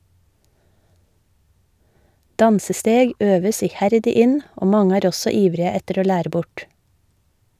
Dansesteg øves iherdig inn, og mange er også ivrige etter å lære bort.